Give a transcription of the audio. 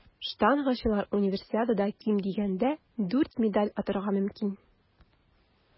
Штангачылар Универсиадада ким дигәндә дүрт медаль отарга мөмкин.